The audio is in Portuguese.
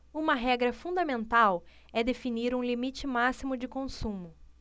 uma regra fundamental é definir um limite máximo de consumo